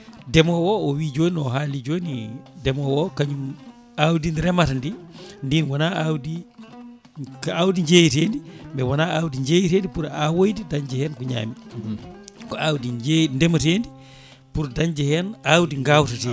ndeemowo o o wii joni o haali joni ndeemowo o kañum awdi ndi remata ndi ndin wona awdi ko awdi jeeyatedi mais wona awdi jeeyetedi pour awoyde danje hen ko ñaami ko awdi jeey ndeema teedi pour dañje hen awdi gawtetedi